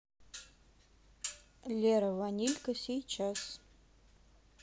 лера ванилька сейчас